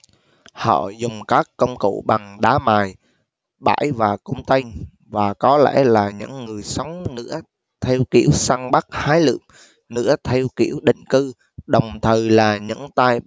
họ dùng các công cụ bằng đá mài bẫy và cung tên và có lẽ là những người sống nửa theo kiểu săn bắt hái lượm nửa theo kiểu định cư đồng thời là những tay